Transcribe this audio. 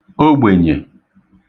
ogbènyè